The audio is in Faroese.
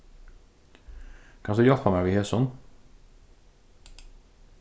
kanst tú hjálpa mær við hesum